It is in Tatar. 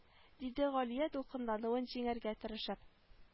Диде галия дулкынлануын җиңәргә тырышып